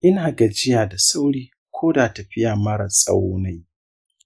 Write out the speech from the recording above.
ina gajiya da sauri ko da tafiya mara tsawo nayi.